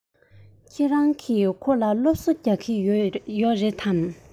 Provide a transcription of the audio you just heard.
ཁྱེད རང གིས ཁོ ལ སློབ གསོ རྒྱག གི ཡོད པས